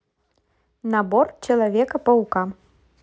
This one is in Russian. набор человека паука